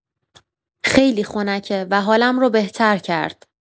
خیلی خنکه و حالم رو بهتر کرد.